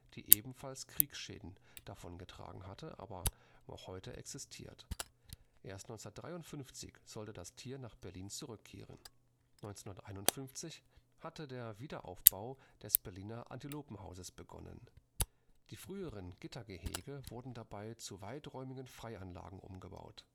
ebenfalls Kriegsschäden davongetragen hatte, aber noch heute existiert. Erst 1953 sollte das Tier nach Berlin zurückkehren. 1951 hatte der Wiederaufbau des Berliner Antilopenhauses begonnen. Die früheren Gittergehege wurden dabei zu weiträumigen Freianlagen umgebaut